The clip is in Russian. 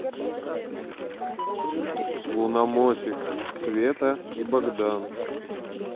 лунамосик света и богдан